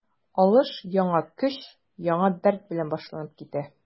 Алыш яңа көч, яңа дәрт белән башланып китә.